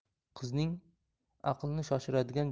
qizning aqlni shoshiradigan